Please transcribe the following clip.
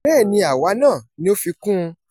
Bẹ́ẹ̀ni àwa náà,'' ni ó fi kún un.